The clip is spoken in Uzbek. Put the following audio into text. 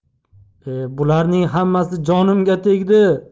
bularning hammasi jonimga tegdi